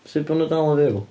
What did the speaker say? Sut bo' nhw dal yn fyw?